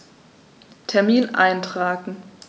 Termin eintragen